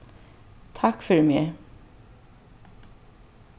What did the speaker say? takk fyri meg